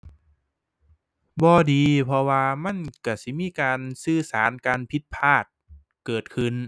บ่ดี เพราะว่ามันก็สิมีการสื่อสาร การผิดพลาดเกิดขึ้น